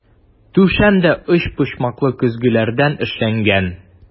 Түшәм дә өчпочмаклы көзгеләрдән эшләнгән.